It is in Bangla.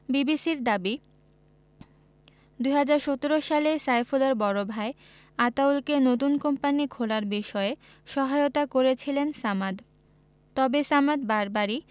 বিবিসির দাবি ২০১৭ সালে সাইফুলের বড় ভাই আতাউলকে নতুন কোম্পানি খোলার বিষয়ে সহায়তা করেছিলেন সামাদ তবে সামাদ বারবারই